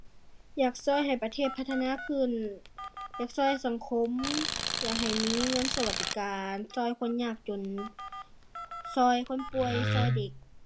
อยากช่วยให้ประเทศพัฒนาขึ้น อยากช่วยสังคม อยากให้มีเงินสวัสดิการช่วยคนยากจน ช่วยคนป่วย ช่วยเด็ก